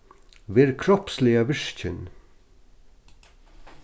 ver kropsliga virkin